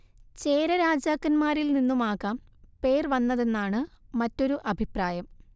ചേര രാജാക്കന്മാരിൽ നിന്നുമാകാം പേർ വന്നതെന്നാണ് മറ്റൊരു അഭിപ്രായം